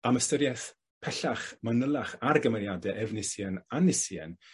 am ystyrieth pellach manylach ar y gymeriade Efnisien a Nisien,